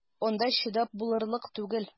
Анда чыдап булырлык түгел!